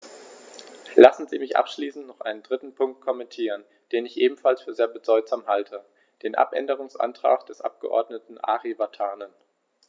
Lassen Sie mich abschließend noch einen dritten Punkt kommentieren, den ich ebenfalls für sehr bedeutsam halte: den Abänderungsantrag des Abgeordneten Ari Vatanen.